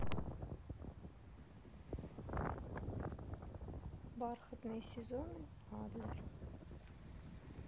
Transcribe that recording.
бархатные сезоны адлер